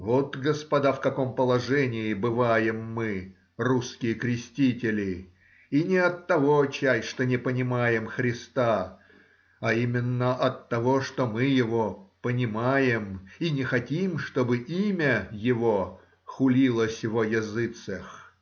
Вот, господа, в каком положении бываем мы, русские крестители, и не оттого, чай, что не понимаем Христа, а именно оттого, что мы его понимаем и не хотим, чтобы имя его хулилось во языцех.